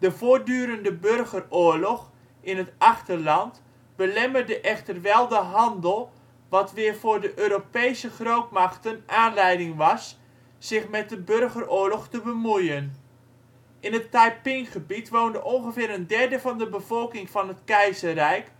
voortdurende burgeroorlog in het achterland belemmerde echter wel de handel wat weer voor de Europese grootmachten aanleiding was zich met de burgeroorlog te bemoeien. In het Taiping-gebied woonde ongeveer een derde van de bevolking van het keizerrijk